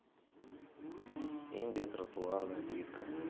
индия тротуарная плитка